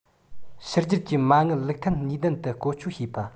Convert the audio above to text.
ཕྱི རྒྱལ གྱི མ དངུལ ལུགས མཐུན ནུས ལྡན དུ བཀོལ སྤྱོད བྱེད པ